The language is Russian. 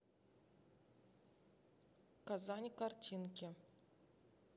казань картинки